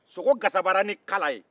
sogo gasabara ni kala ye